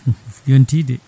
yonti de